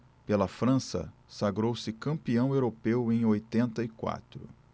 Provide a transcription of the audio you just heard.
pela frança sagrou-se campeão europeu em oitenta e quatro